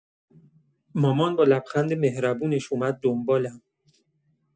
مامان با لبخند مهربونش اومد دنبالم.